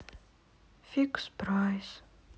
фикс прайс